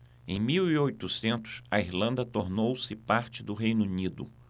em mil e oitocentos a irlanda tornou-se parte do reino unido